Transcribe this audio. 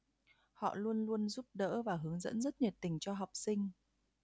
họ luôn luôn giúp đỡ và hướng dẫn rất nhiệt tình cho học sinh